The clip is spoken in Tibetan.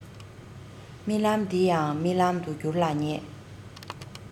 རྨི ལམ དེ ཡང རྨི ལམ དུ འགྱུར ལ ཉེ